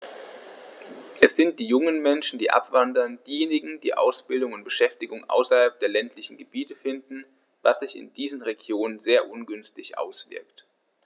Es sind die jungen Menschen, die abwandern, diejenigen, die Ausbildung und Beschäftigung außerhalb der ländlichen Gebiete finden, was sich in diesen Regionen sehr ungünstig auswirkt.